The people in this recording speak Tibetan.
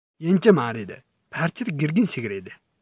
ཡིན གྱི མ རེད ཕལ ཆེར དགེ རྒན ཞིག རེད